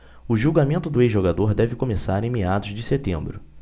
o julgamento do ex-jogador deve começar em meados de setembro